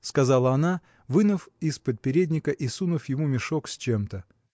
– сказала она, вынув из-под передника и сунув ему мешок с чем-то.